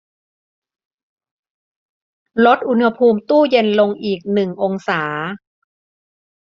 ลดอุณหภูมิตู้เย็นลงอีกหนึ่งองศา